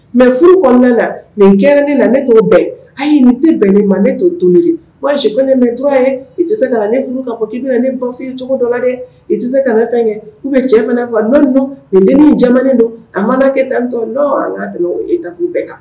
Mɛ furu kɔnɔna la nin kɛra ne na ne t'o bɛn ayi nin tɛ bɛn ni mande ne to to baasi ko ne mɛ du ye i tɛ se ne furu k kaa fɔ'i bɛna ne bafinye cogo dɔ la kɛ i tɛ se ka ne fɛn kɛ i bɛ cɛ fana fɔ nɔ don nin jamana don a mana kɛ tantɔn an ka tɛmɛ e ta'u bɛɛ kan